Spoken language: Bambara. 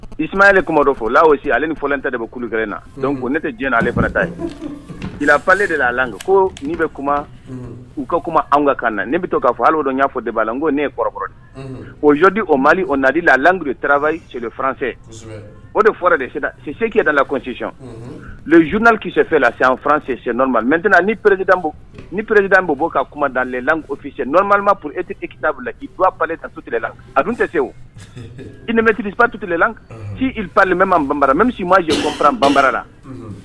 I sumayayaale kuma dɔ fɔ lao si ale ni fɔlen tɛ dekɛ na ne tɛ diɲɛ aleale fanata yeple de'a la ko n'i bɛ kuma u ka kuma anw ka kan na ne bɛ to k'a fɔ dɔn y'a fɔ b'a la ko ne ye kɔrɔ kɔrɔ oodi o mali nadi lalangdu tarawelerabaa sɛranfɛ o de fɔra de se si sekike da lasic zuninali kisɛfɛ laseransɛ nɔma mɛt ni perezdbu ni pereld bɛ bɔ ka kuma da lelansi nɔnmamap e tɛkita bila ile sula a tun tɛ se imɛtirip tu kelenlan ci iplemɛma banrala mɛ misi si ma jɛkumapuran banbarara la